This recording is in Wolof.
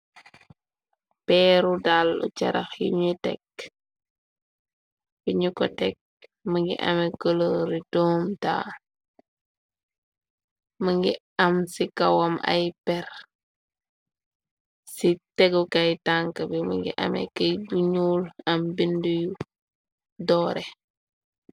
Peeru dallu jarax yuñu tekk bi ñyu ko tekk më ngi amé colori domu taal mugi am ci kawam ay per ci tegukay tank bi mugi améh kiyit bu ñuul am bindi yu doore.